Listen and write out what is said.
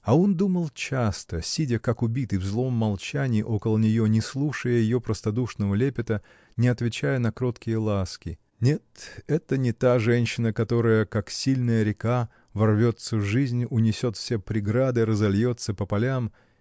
А он думал часто, сидя как убитый в злом молчании около нее, не слушая ее простодушного лепета, не отвечая на кроткие ласки: “Нет — это не та женщина, которая, как сильная река, ворвется в жизнь, унесет все преграды, разольется по полям.